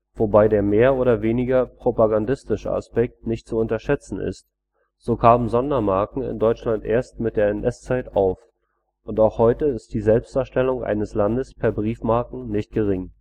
Wobei der mehr oder weniger propagandistische Aspekt nicht zu unterschätzen ist. So kamen Sondermarken in Deutschland erst mit der NS-Zeit auf. Und auch heute ist die Selbstdarstellung eines Landes per Briefmarken nicht gering